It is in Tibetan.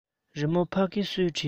རི མོ ཕ གི སུས བྲིས སོང